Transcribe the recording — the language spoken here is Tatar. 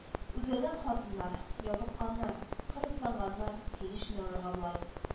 Үзгәргән хатыннар. Ябыкканнар. Кырысланганнар – килешми аларга болай